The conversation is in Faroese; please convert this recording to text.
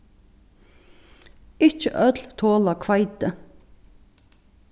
ikki øll tola hveiti